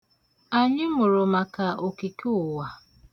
Anyị mụrụ maka okike ụwa.